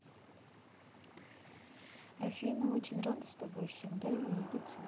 афина очень рада с тобой всегда видится